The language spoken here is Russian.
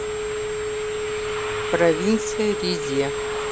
провинция ризе